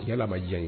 Yala a ma diya n ye